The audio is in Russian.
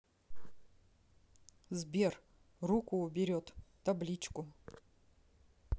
сбер руку уберет табличку